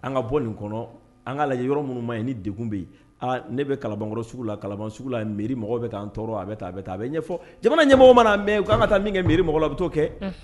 An ka bɔ nin kɔnɔ an k'a la yɔrɔ minnu ma ye ni degun bɛ yen , ne bɛ kalakɔrɔ sugu la , sugu la mairie mɔgɔw bɛ k'an tɔɔrɔ , a bɛ tan, a bɛ tan, a bɛ ɲɛfɔ, jamana ɲɛmɔgɔ mana na mɛn u ka kan ka ta min kɛ mɔgɔw la u bɛ t'o kɛ